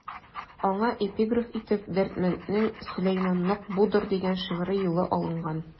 Аңа эпиграф итеп Дәрдмәнднең «Сөләйманлык будыр» дигән шигъри юлы алынган.